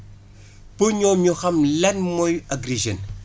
ba ñooñu xam lan mooy Agri Jeunes